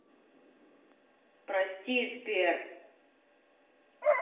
прости сбер